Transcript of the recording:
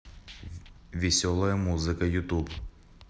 веселая музыка ютуб